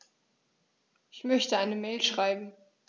Ich möchte eine Mail schreiben.